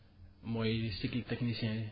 mooy cycle technicien